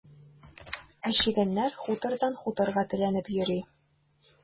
Ә чегәннәр хутордан хуторга теләнеп йөри.